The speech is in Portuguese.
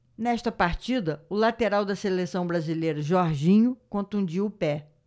nesta partida o lateral da seleção brasileira jorginho contundiu o pé